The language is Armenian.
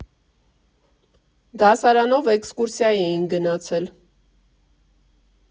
Դասարանով էքսկուրսիա էինք գնացել։